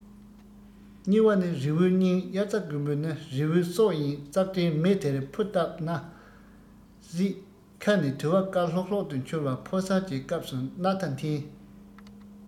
སྙི བ ནི རི བོའི སྙིང དབྱར རྩྭ དགུན འབུ ནི རི བོའི སྲོག ཡིན ཙག སྒྲའི མེ དེར ཕུ བཏབ ནས བསད ཁ ནས དུ བ དཀར ལྷོག ལྷོག ཏུ འཕྱུར བ ཕོ གསར གྱི སྐབས སུ སྣ ཐ འཐེན